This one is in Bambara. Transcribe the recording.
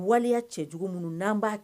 Waleya cɛ jugu minnu n'an b'a